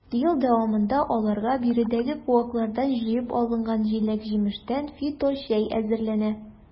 Ел дәвамында аларга биредәге куаклардан җыеп алынган җиләк-җимештән фиточәй әзерләнә.